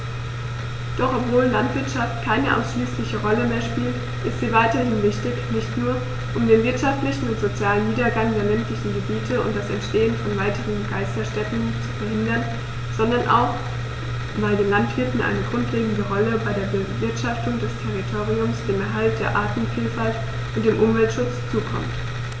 Doch obwohl die Landwirtschaft keine ausschließliche Rolle mehr spielt, ist sie weiterhin wichtig, nicht nur, um den wirtschaftlichen und sozialen Niedergang der ländlichen Gebiete und das Entstehen von weiteren Geisterstädten zu verhindern, sondern auch, weil den Landwirten eine grundlegende Rolle bei der Bewirtschaftung des Territoriums, dem Erhalt der Artenvielfalt und dem Umweltschutz zukommt.